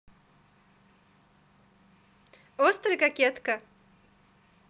острый кокетка